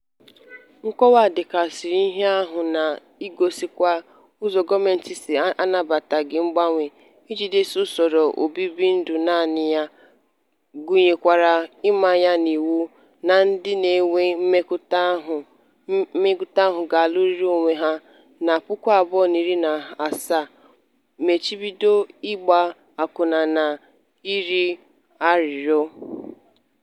"Nkọwa idekasị ihe" ahụ na-egosikwa ụzọ gọọmentị si anabataghị mgbanwe, ejidesi usoro obibindụ naanị ya, gụnyekwara imanye ya n'iwu na ndị na-enwe mmekọahụ ga-aluriri onwe ha na 2017, mmachibido ịgba akwụna na ịrịọ arịrịọ."